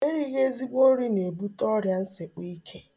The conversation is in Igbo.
Erighị ezigbo nri na-ebute ọrịansekpọike.